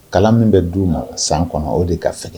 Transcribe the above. Kala min bɛ d' u ma san kɔnɔ o de ka fɛ